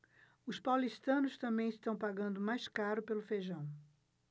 os paulistanos também estão pagando mais caro pelo feijão